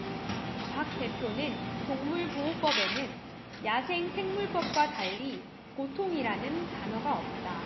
박 대표는 동물보호법에는 야생생물법과 달리 고통이라는 단어가 없다